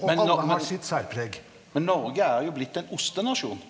men men men Noreg er jo blitt ein ostenasjon.